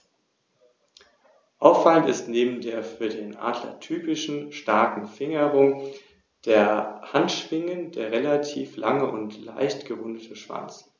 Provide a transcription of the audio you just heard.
Zudem finden sich viele lateinische Lehnwörter in den germanischen und den slawischen Sprachen.